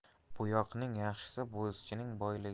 bo'yoqning yaxshisi bo'zchining boyligi